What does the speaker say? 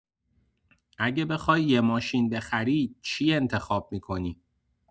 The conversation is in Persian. اگه بخوای یه ماشین بخری، چی انتخاب می‌کنی؟